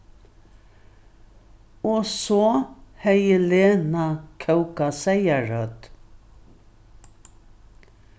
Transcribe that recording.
og so hevði lena kókað seyðarhøvd